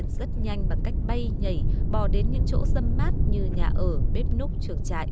rất nhanh bằng cách bay nhảy bò đến những chỗ râm mát như nhà ở bếp núc chuồng trại